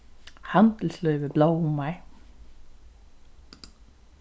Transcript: handilslívið blómar